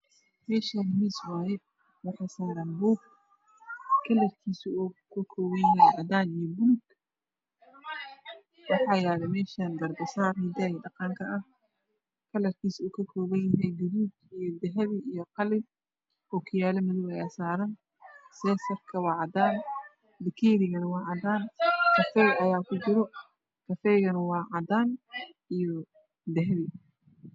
Meshan mis waye kalarkisu wuxuu ka koban yahay xadan iyo bulug waxaa yala gabasar subeciya ah oo ka koban gaduud iyo jale iyo qalin okiyalo madow ayaa yala